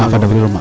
a fada fulira ma